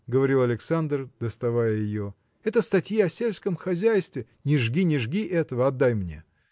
– говорил Александр, доставая ее, – это статьи о сельском хозяйстве. – Не жги, не жги этого! Отдай мне!